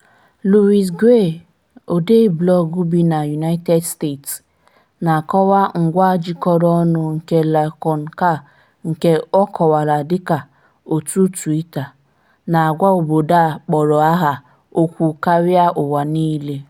Louis Gray, odee blọọgụ bi na United States, na-akọwa ngwa jikọrọ ọnụ nke Laconi.ca, nke ọ kọwara dịka "òtù Twitter" - na-agwa obodo a kpọrọ aha okwu karịa ụwa niile.